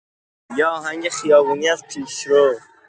یه آهنگ خیابونی از پیشرو